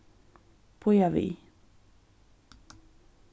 bíða við